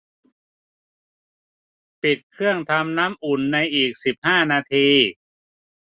ปิดเครื่องทำน้ำอุ่นในอีกสิบนาที